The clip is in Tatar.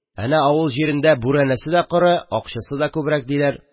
Әнә авыл җирендә бүрәнәсе дә коры, акчасы да күбрәк диләр.